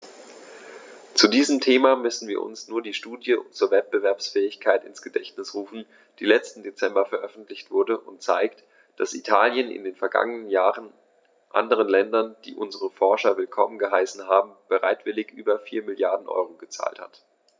Zu diesem Thema müssen wir uns nur die Studie zur Wettbewerbsfähigkeit ins Gedächtnis rufen, die letzten Dezember veröffentlicht wurde und zeigt, dass Italien in den vergangenen Jahren anderen Ländern, die unsere Forscher willkommen geheißen haben, bereitwillig über 4 Mrd. EUR gezahlt hat.